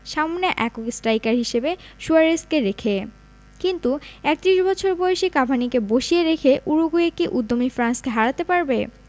সামনে একক স্ট্রাইকার হিসেবে সুয়ারেজকে রেখে কিন্তু ৩১ বছর বয়সী কাভানিকে বসিয়ে রেখে উরুগুয়ে কি উদ্যমী ফ্রান্সকে হারাতে পারবে